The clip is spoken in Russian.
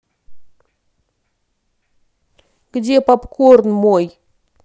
где попкорн мой